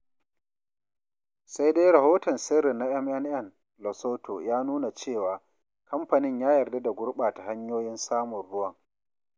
Sai dai rahoton sirri na MNN Lesotho ya nuna cewa, kamfanin ya yarda da gurɓata hanyoyin samun ruwan.